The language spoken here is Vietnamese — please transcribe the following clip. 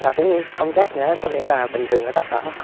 dạ cũng không chắc nữa có thể là bình thường ở tất cả